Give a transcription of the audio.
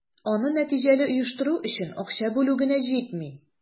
Аны нәтиҗәле оештыру өчен акча бүлү генә җитми.